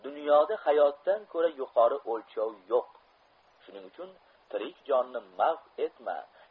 dunyoda hayotdan ko'ra yuqori olchov yo'q shuning uchun tirik jonni mahv etma